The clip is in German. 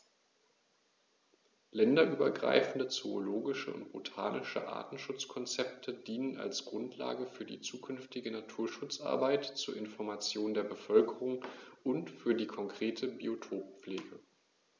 Länderübergreifende zoologische und botanische Artenschutzkonzepte dienen als Grundlage für die zukünftige Naturschutzarbeit, zur Information der Bevölkerung und für die konkrete Biotoppflege.